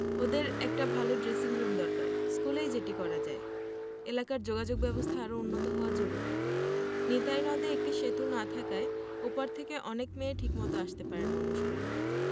ওদের একটা ভালো ড্রেসিংরুম দরকার স্কুলেই যেটি করা যায় এলাকার যোগাযোগব্যবস্থা আরও উন্নত হওয়া জরুরি নিতাই নদে একটা সেতু না থাকায় ওপার থেকে অনেক মেয়ে ঠিকমতো আসতে পারে না অনুশীলনে